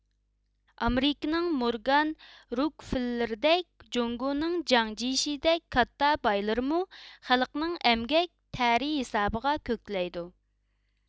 ئامېرىكىنىڭ مورگان روكفېللېردەك جۇڭگونىڭ جياڭجيېشىدەك كاتتا بايلىرىمۇ خەلقنىڭ ئەمگەك تەرى ھېسابىغا كۆكلەيدۇ